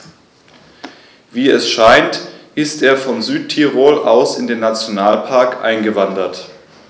Wie es scheint, ist er von Südtirol aus in den Nationalpark eingewandert.